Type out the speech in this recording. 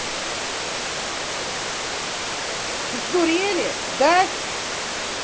сдурели да